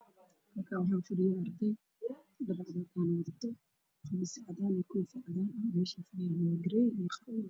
Meshaan waxaa fadhiyo arday wata qamiis cadaan ah iyo koofi buluug ah